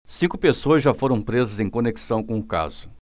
cinco pessoas já foram presas em conexão com o caso